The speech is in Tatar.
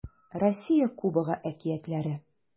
Россия Кубогы әкиятләре